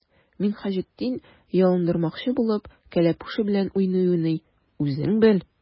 Минһаҗетдин, ялындырмакчы булып, кәләпүше белән уйный-уйный:— Үзең бел!